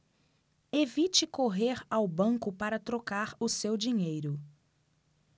evite correr ao banco para trocar o seu dinheiro